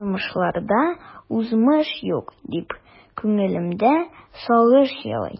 Язмышлардан узмыш юк, дип күңелемдә сагыш елый.